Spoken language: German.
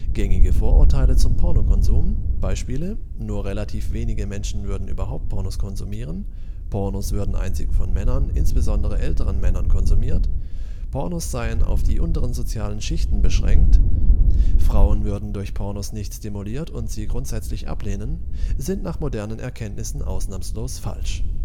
Gängige Vorurteile zum Pornokonsum (Beispiele: nur relativ wenige Menschen würden überhaupt Pornos konsumieren; Pornos würden einzig von Männern, insbesondere älteren Männern, konsumiert; Pornos seien auf die unteren sozialen Schichten beschränkt; Frauen würden durch Pornos nicht stimuliert und sie grundsätzlich ablehnen) sind nach modernen Erkenntnissen ausnahmslos falsch